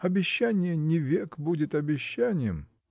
Обещание не век будет обещанием.